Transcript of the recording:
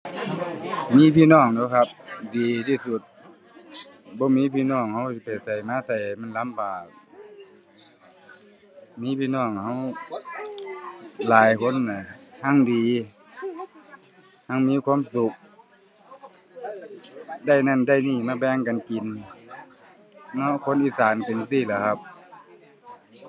มีพี่น้องตั่วครับดีที่สุด บ่มีพี่น้องเราสิไปไสมาไสมันลำบาก มีพี่น้องเราหลายคนนะแฮ่งดี แฮ่งมีความสุข ได้นั่นได้นี่มาแบ่งกันกิน แนวคนอีสานเป็นจั่งซี้ล่ะครับ